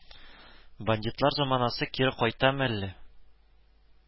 Бандитлар заманасы кире кайтамы әллә